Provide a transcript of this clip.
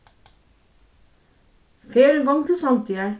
ferðin gongur til sandoyar